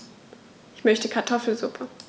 Ich möchte Kartoffelsuppe.